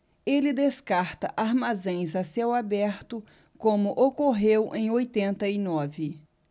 ele descarta armazéns a céu aberto como ocorreu em oitenta e nove